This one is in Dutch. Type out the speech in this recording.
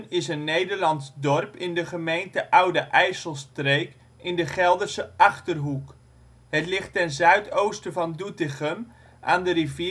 is een Nederlands dorp in de gemeente Oude IJsselstreek in de Gelderse Achterhoek. Het ligt ten zuidoosten van Doetinchem, aan de river